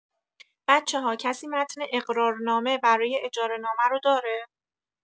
بچه‌ها کسی متن اقرارنامه برای اجاره‌نامه رو داره؟